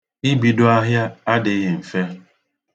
Ibido ahịa adịghị mfe.